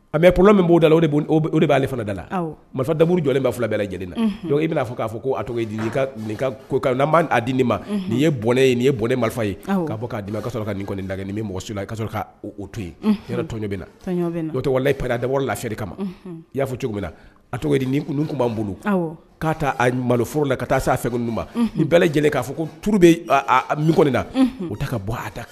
A p min b'o la de b'ale da la marifa dauru jɔlen bɛ fila bɛɛla lajɛlen la i bɛna'a k'a fɔ ko tɔgɔ ko n b''a di ne ma nin ye bɔnɛ nin ye bɔnɛ marifa ye ka bɔ'a di ka sɔrɔ ka nin kɔni dagɛ nin bɛ mɔgɔ sula i'a sɔrɔ ka o to yen tɔnɲɔ bɛ na o tɔgɔla p dabɔruya lafi kama y'a fɔ cogo min na a tɔgɔ dii kunun tun b'an bolo k'a taa maloforo la ka taa se fɛ ma ni bɛɛ lajɛlen k'a fɔ ko tuuru bɛ mik na u ta ka bɔ a da kɛ